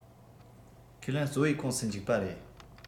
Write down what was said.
ཁས ལེན གཙོ བོའི ཁོངས སུ འཇུག པ རེད